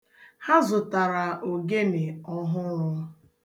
Ha zụtara ogene ọhụrụ.